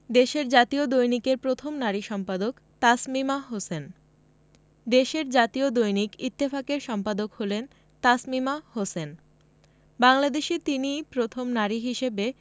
দেশের জাতীয় দৈনিকের প্রথম নারী সম্পাদক তাসমিমা হোসেন দেশের জাতীয় দৈনিক ইত্তেফাকের সম্পাদক হলেন তাসমিমা হোসেন বাংলাদেশে তিনিই প্রথম নারী হিসেবে